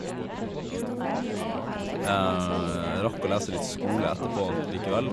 Jeg rakk å lese litt skole etterpå likevel.